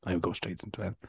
I would go straight into it.